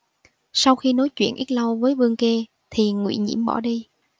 sau khi nói chuyện ít lâu với vương kê thì ngụy nhiễm bỏ đi